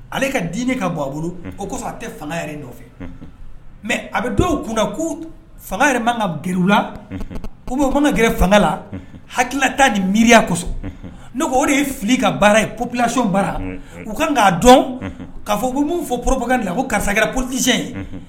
Ale ka diinɛ ka bɔ a bolo osɔn a tɛ fanga yɛrɛ nɔfɛ mɛ a bɛ dɔw kun ko fanga yɛrɛ ma kan ka gla u kan ka gɛrɛ fanga la hakilila t' di miiriya kosɔn ne ko o de ye fili ka baara ye pbilasi baara u ka kan k'a dɔn k'a fɔ bɛ min fɔ poropkan la ko karisa ptise ye